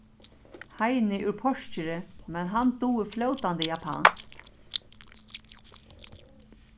heini úr porkeri men hann dugir flótandi japanskt